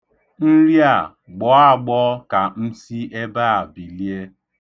Nri a, gbọọ agbọọ ka m si ebe a bilie.